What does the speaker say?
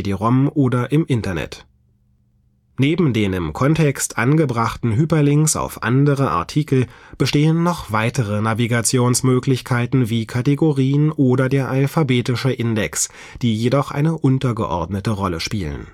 CD-ROM oder im Internet. Neben den im Kontext angebrachten Hyperlinks auf andere Artikel bestehen noch weitere Navigationsmöglichkeiten, wie Kategorien oder der alphabetische Index, die jedoch eine untergeordnete Rolle spielen